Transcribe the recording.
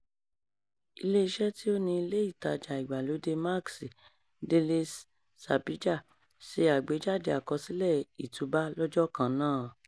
Ilé-iṣẹ́ tí ó ni ilé ìtajà-ìgbàlóde Maxi, Delez Srbija, ṣe àgbéjáde àkọsílẹ̀ ìtúúbá lọ́jọ́ kan náà.